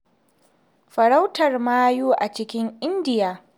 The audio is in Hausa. Farautar mayu a cikin Indiya